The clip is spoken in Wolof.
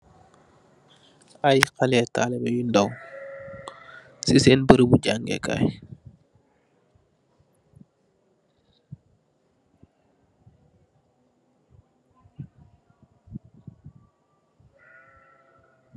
Aye khaleeh talibeh yu ndaw, si sen beaureaubu jangee kaay.